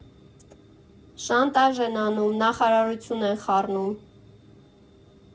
Շանտաժ են անում, նախարարություն են խառնում…